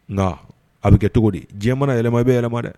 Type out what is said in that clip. Nka a bɛ kɛ cogo di diɲɛ mana yɛlɛma i bɛ yɛlɛma dɛ